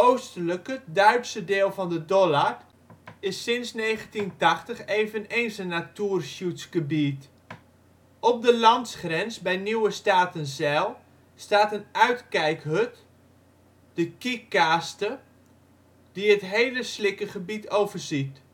oostelijke, Duitse deel van de Dollard is sinds 1980 eveneens een Naturschutzgebiet. Op de landsgrens bij Nieuwe Statenzijl staat een uitkijkhut, de ' Kiekkaaste ', die het hele slikkengebied overziet